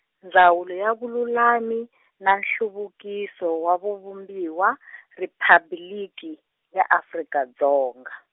Ndzawulo ya Vululami na Nhluvukiso wa Vu- Vumbiwa Riphabliki, ya Afrika Dzonga.